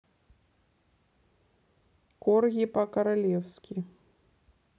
корги по королевски